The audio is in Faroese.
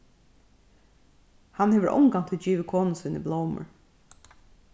hann hevur ongantíð givið konu síni blómur